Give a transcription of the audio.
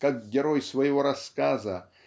как герой своего рассказа